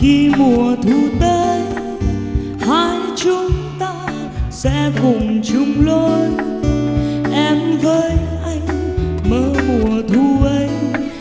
khi mùa thu tới hai chúng ta sẽ cùng chung lối em với anh mơ mùa thu ấy